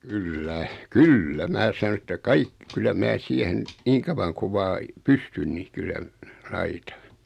kyllä kyllä minä sanoin että - kyllä minä siihen niin kauan kun vain pystyn niin kyllä laitan